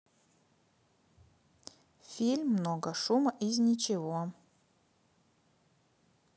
фильм много шума из ничего